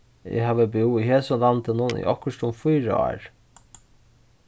eg havi búð í hesum landinum í okkurt um fýra ár